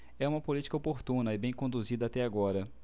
é uma política oportuna e bem conduzida até agora